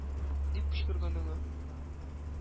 Дип кычкырган аңа.